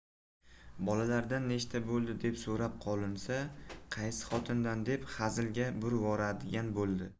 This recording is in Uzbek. bolalardan nechta bo'ldi deb so'rab qolinsa qaysi xotindan deb hazilga burvoradigan bo'ldi